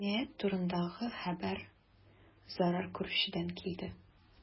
Җинаять турындагы хәбәр зарар күрүчедән килде.